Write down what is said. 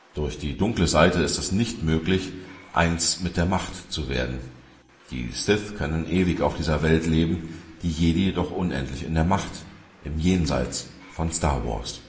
Durch die Dunkle Seite ist es nicht möglich, „ eins mit der Macht zu werden “. Die Sith können ewig auf dieser Welt leben, die Jedi jedoch unendlich in der Macht, im „ Jenseits “von Star Wars